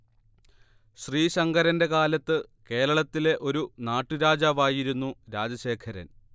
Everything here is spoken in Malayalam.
ശ്രീശങ്കരന്റെ കാലത്ത് കേരളത്തിലെ ഒരു നാട്ടു രാജാവായിരുന്നു രാജശേഖരൻ